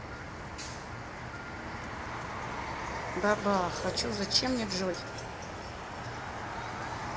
баба хочу зачем мне джой